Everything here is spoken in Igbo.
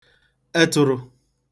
etụ̄rụ̄